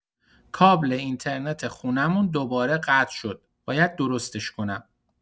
کابل اینترنت خونمون دوباره قطع شد، باید درستش کنم.